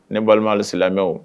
Ne balimaalisi lamɛnmɛ